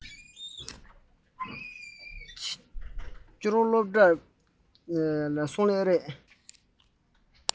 ཁྱེད རང སློབ གྲྭར ཕེབས པས